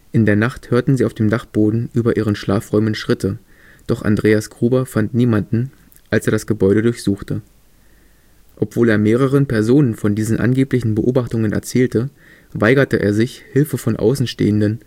In der Nacht hörten sie auf dem Dachboden über ihren Schlafräumen Schritte, doch Andreas Gruber fand niemanden, als er das Gebäude durchsuchte. Obwohl er mehreren Personen von diesen angeblichen Beobachtungen erzählte, weigerte er sich, Hilfe von Außenstehenden